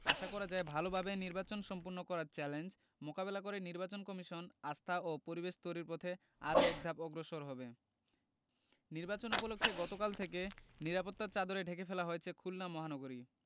আশা করা যায় ভালোভাবে নির্বাচন সম্পন্ন করার চ্যালেঞ্জ মোকাবেলা করে নির্বাচন কমিশন আস্থা ও পরিবেশ তৈরির পথে আরো একধাপ অগ্রসর হবে নির্বাচন উপলক্ষে গতকাল থেকে নিরাপত্তার চাদরে ঢেকে ফেলা হয়েছে খুলনা মহানগরী